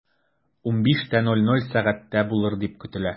15.00 сәгатьтә булыр дип көтелә.